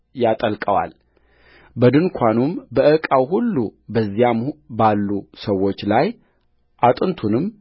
ያጠልቀዋል በድንኳኑም በዕቃውም ሁሉ በዚያም ባሉ ሰዎች ላይ አጥንቱንም